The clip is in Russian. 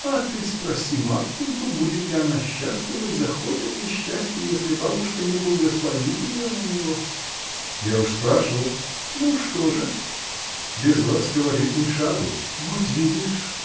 — А ты спроси Марфиньку, будет ли она счастлива и захочет ли счастья, если бабушка не благословит ее на него? — Я уж спрашивал. — Ну, что же? — Без вас, говорит, ни шагу. — Вот видишь!